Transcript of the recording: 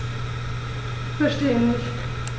Verstehe nicht.